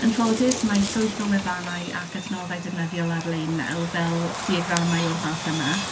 Yn ffoddus, mae llwyth o wefannau ac adnoddau defnyddiol ar lein nawr fel diagramau o'r math yma.